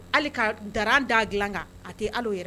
Hali ka da d'a dilan kan a tɛ ala yɛrɛ